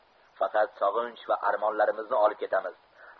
faqat soginch va armonlarimizni olib ketamiz